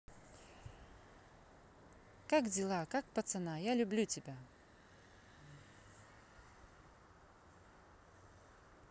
как дела как пацана я люблю тебя